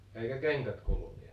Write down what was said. eikä kengät kuluneet